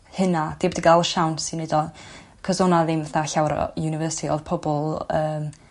hynna dim 'di ga'l y siawns i neud o. 'C'os o' 'na ddim fatha llawer o university odd pobol yym